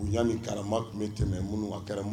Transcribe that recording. U y'a ni karama tun bɛ tɛmɛ minnuunu kara